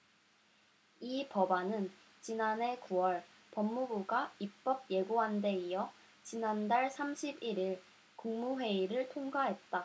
이 법안은 지난해 구 월 법무부가 입법예고한데 이어 지난달 삼십 일 일 국무회의를 통과했다